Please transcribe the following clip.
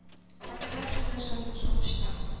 Хәтерләп сезне соң сулышта...